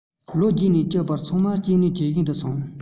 ལོ བརྒྱད ནས བཅུའི བར ཚང མ སྐྱེ ནུས ཇེ ཞན དུ སོང